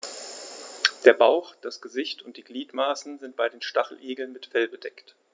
Der Bauch, das Gesicht und die Gliedmaßen sind bei den Stacheligeln mit Fell bedeckt.